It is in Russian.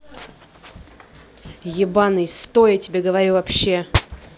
ебаный сто я тебе говорю вообще